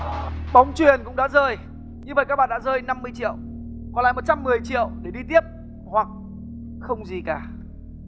bóng chuyền cũng đã rơi như vậy các bạn đã rơi năm mươi triệu còn lại một trăm mười triệu để đi tiếp hoặc không gì cả